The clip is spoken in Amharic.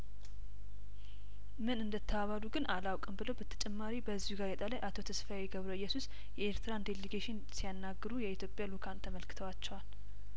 ምን እንደተባባሉ ግን አላውቅም ብሎ በተጨማሪም በዚሁ ጋዜጣ ላይ አቶ ተስፋዬ ገብረየሱስ የኤርትራን ዴሊጌሽን ሲያናግሩ የኢትዮጵያ ልኡካን ተመልክተዋቸዋል